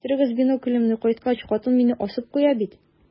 Китерегез биноклемне, кайткач, хатын мине асып куя бит.